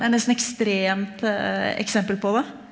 det er nesten ekstremt eksempel på det.